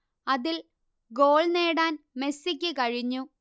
അതിൽ ഗോൾ നേടാൻ മെസ്സിക്ക് കഴിഞ്ഞു